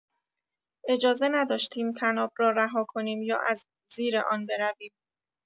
اجازه نداشتیم طناب را رها کنیم یا از زیر آن برویم.